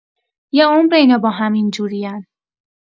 یه عمره اینا باهم اینجورین